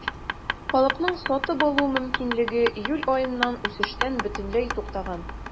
Халыкның сатып алу мөмкинлеге июль аеннан үсештән бөтенләй туктаган.